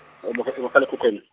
ngomakhal- ngomakhal' ekhukhwini.